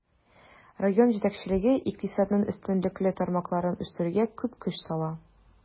Район җитәкчелеге икътисадның өстенлекле тармакларын үстерүгә күп көч сала.